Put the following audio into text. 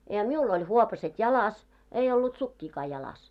ja minulla oli huopaset jalassa ei ollut sukkiakaan jalassa